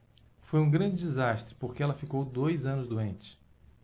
foi um grande desgaste porque ela ficou dois anos doente